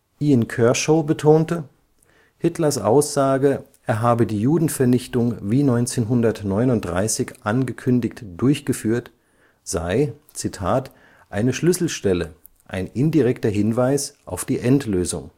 Ian Kershaw betonte, Hitlers Aussage, er habe die Judenvernichtung wie 1939 angekündigt durchgeführt, sei „ eine Schlüsselstelle, ein indirekter Hinweis auf die Endlösung